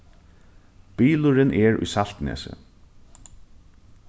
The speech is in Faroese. bilurin er í saltnesi